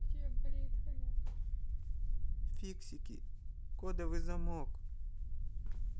фиксики кодовый замок